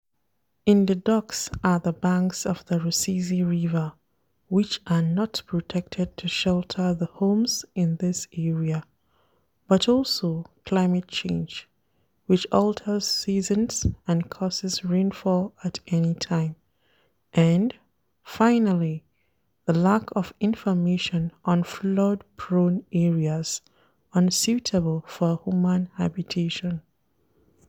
In the docks are the banks of the Rusizi River which are not protected to shelter the homes in this area; but also climate change, which alters seasons and causes rainfall at any time; and, finally, the lack of information on flood-prone areas unsuitable for human habitation.